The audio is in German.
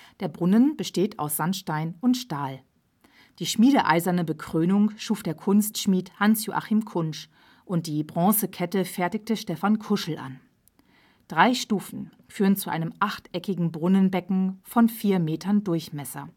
Der Brunnen besteht aus Sandstein und Stahl. Die schmiedeeiserne Bekrönung schuf der Kunstschmied Hans-Joachim Kunsch und die Bronzekette fertigte Stefan Kuschel an. Drei Stufen führen zu einem achteckigen Brunnenbecken von vier Metern Durchmesser